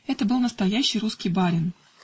Этот был настоящий русский барин.